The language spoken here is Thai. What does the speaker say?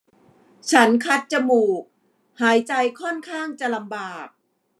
ฉันคัดจมูกหายใจค่อนข้างจะลำบาก